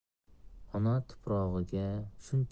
ona tuprog'iga shunchalik